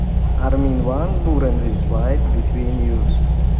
armin van buuren this light between us